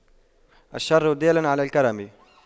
الْبِشْرَ دال على الكرم